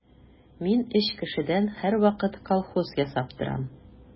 Мин өч кешедән һәрвакыт колхоз ясап торам.